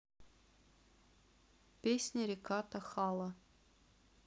песня река тахала